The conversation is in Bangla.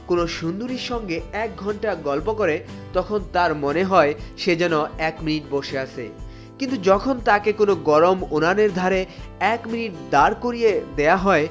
কোন সুন্দরীর সঙ্গে এক ঘন্টা গল্প করে তখন তার মনে হয় সে যেন এক মিনিট বসে আছে তার কোন গরম উনান এর ধারে এক মিনিট দাঁড় করিয়ে দেয়া হয়